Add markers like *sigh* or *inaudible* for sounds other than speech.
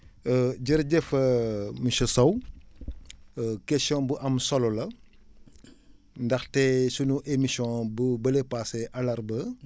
*hesitation* jërëjëf *hesitation* monsieur Sow *noise* question bu am solo la ndaxte sunu émission bu bële paase àllarba